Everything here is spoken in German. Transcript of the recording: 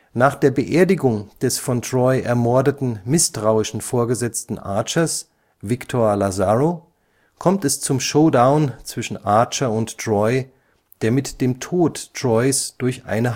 Nach der Beerdigung des von Troy ermordeten misstrauischen Vorgesetzten Archers, Victor Lazarro, kommt es zum Showdown zwischen Archer und Troy, der mit dem Tod Troys durch eine